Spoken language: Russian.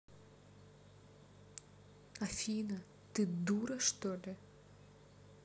афина ты дура что ли